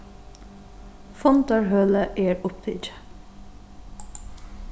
fundarhølið er upptikið